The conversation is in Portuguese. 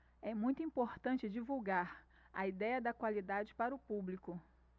é muito importante divulgar a idéia da qualidade para o público